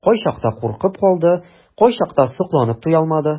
Кайчакта куркып калды, кайчакта сокланып туя алмады.